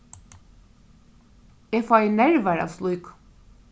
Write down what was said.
eg fái nervar av slíkum